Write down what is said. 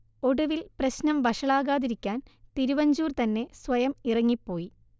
ഒടുവിൽ പ്രശ്നം വഷളാകാതിക്കാൻ തിരുവഞ്ചൂർ തന്നെ സ്വയം ഇറങ്ങി പോയി